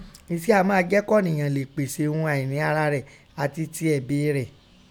Iṣẹ́ a máa jẹ́ kí ọ̀nìyàn leè pèsè ún àìní ara rẹ̀ àti tiẹ̀ bíi rẹ̀.